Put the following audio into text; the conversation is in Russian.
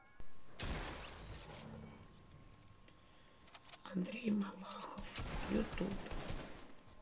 андрей малахов ютуб